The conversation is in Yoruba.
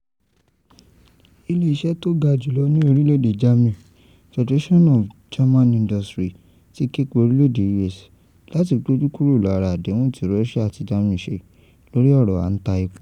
Ilé iṣẹ́ tí ó ga jù lọ ní orílẹ̀èdè Germany, Federation of German Industries (BDI) ti képe orílẹ̀èdè US láti gbójú kúrò lára adehun tí Russia àti Germany ṣe lórí ọ̀rọ̀ à ń ta epo.